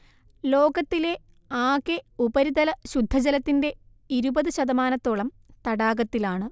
ലോകത്തിലെ ആകെ ഉപരിതല ശുദ്ധജലത്തിന്റെ ഇരുപത് ശതമാനത്തോളം തടാകത്തിലാണ്